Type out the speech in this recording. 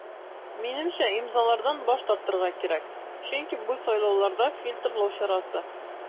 Минемчә, имзалардан баш тартырга кирәк, чөнки бу сайлауларда фильтрлау чарасы.